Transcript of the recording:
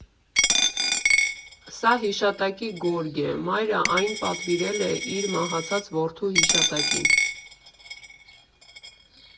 Սա հիշատակի գորգ է՝ մայրը այն պատվիրել է իր մահացած որդու հիշատակին։